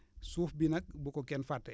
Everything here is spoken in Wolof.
suuf bi nag bu ko kenn fàtte